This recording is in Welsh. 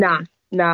Na, na.